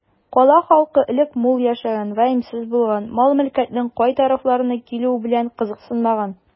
Кала халкы элек мул яшәгән, ваемсыз булган, мал-мөлкәтнең кай тарафлардан килүе белән кызыксынмаган.